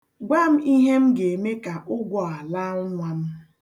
Gwa m ihe m ga-eme ka ụgwọ a laa nwa m.